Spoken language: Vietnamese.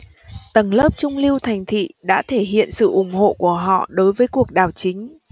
tầng lớp trung lưu thành thị đã thể hiện sự ủng hộ của họ đối với cuộc đảo chính